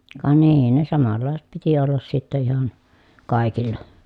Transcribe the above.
ka niin ne samanlaiset piti olla sitten ihan kaikilla